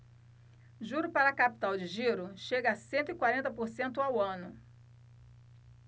juro para capital de giro chega a cento e quarenta por cento ao ano